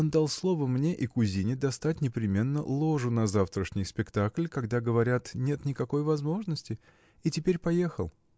он дал слово мне и кузине достать непременно ложу на завтрашний спектакль когда говорят нет никакой возможности. и теперь поехал.